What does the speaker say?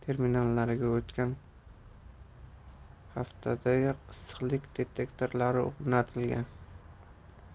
va avtobus terminallariga o'tgan haftadayoq issiqlik detektorlari o'rnatilgan